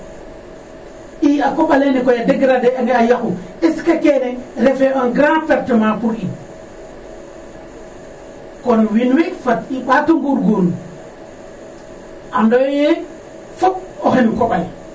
II a koƥ alene koy a dégrader anga a yaqu est ce que kene refee un grand pertement pour in kon. wiin we fat i ɓaat o ngoprngporlu ando yee fop oxen koƥ ale.